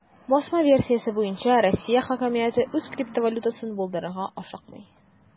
Басма версиясе буенча, Россия хакимияте үз криптовалютасын булдырырга ашыкмый.